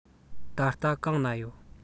ད ལྟ གང ན ཡོད